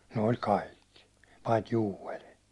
ne oli kaikki paitsi Joel